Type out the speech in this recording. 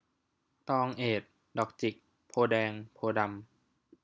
ตองเอดดอกจิกโพธิ์แดงโพธิ์ดำ